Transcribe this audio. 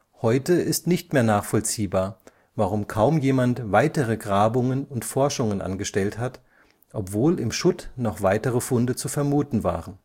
Heute ist nicht mehr nachvollziehbar, warum kaum jemand weitere Grabungen und Forschungen angestellt hat, obwohl im Schutt noch weitere Funde zu vermuten waren